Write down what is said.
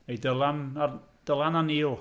Neu Dylan a... Dylan a Neil.